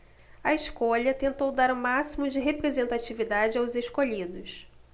a escolha tentou dar o máximo de representatividade aos escolhidos